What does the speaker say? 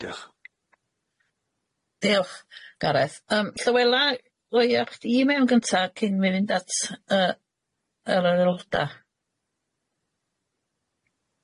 Diolch. Diolch, Gareth yym Llywela ddoi ar chdi e-mail cynta cyn fi fynd at yy yr aeloda.